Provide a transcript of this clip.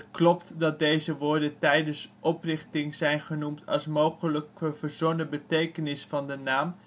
klopt dat deze woorden tijdens oprichting zijn genoemd als mogelijke ' verzonnen betekenis ' van de naam